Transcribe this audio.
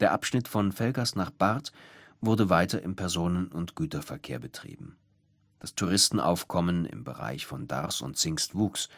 Abschnitt von Velgast nach Barth wurde weiter im Personen - und Güterverkehr betrieben. Das Touristenaufkommen im Bereich von Darß und Zingst wuchs